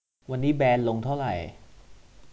วันนี้แบรนด์ลงเท่าไหร่